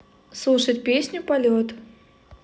слушать песню полет